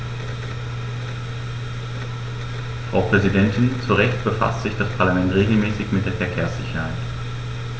Frau Präsidentin, zu Recht befasst sich das Parlament regelmäßig mit der Verkehrssicherheit.